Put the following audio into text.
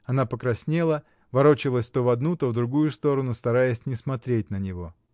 Она покраснела, ворочалась то в одну, то в другую сторону, стараясь не смотреть на него.